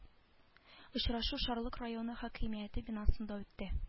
Очрашу шарлык районы хакимияте бинасында үтте